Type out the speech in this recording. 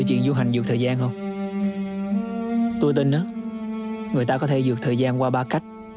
chuyện du hành vượt thời gian không tôi tin đó người ta có thể vượt thời gian qua ba cách